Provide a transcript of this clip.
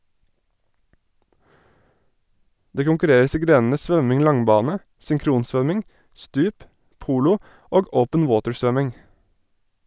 Det konkurreres i grenene svømming langbane, synkronsvømming, stup, polo og open water-svømming.